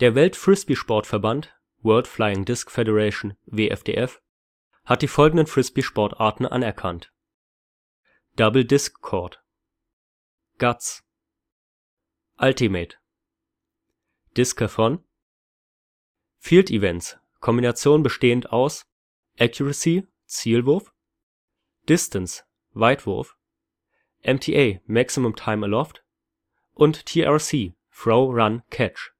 Welt-Frisbeesport-Verband (World Flying Disc Federation, WFDF) hat die folgenden Frisbee-Sportarten anerkannt: Double Disc Court Guts Ultimate Discathon Field Events, Kombination bestehend aus Accuracy (Zielwurf) Distance (Weitwurf) MTA (Maximum Time Aloft) TRC (Throw Run Catch